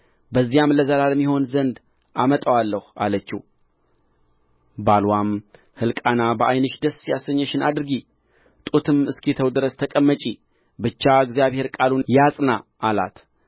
በዚያም ለዘላለም ይሆን ዘንድ አመጣዋለሁ አለችው ባልዋም ሕልቃና በዓይንሽ ደስ ያሰኘሽን አድርጊ ጡትም እስኪተው ድረስ ተቀመጪ ብቻ እግዚአብሔር ቃሉን ያጽና አላት